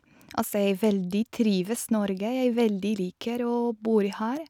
Og så jeg veldig trives Norge, jeg veldig liker å bor her.